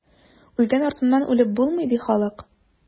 Үлгән артыннан үлеп булмый, ди халык.